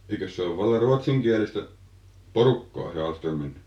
eikös se ole vallan ruotsinkielistä porukkaa se Ahlströmin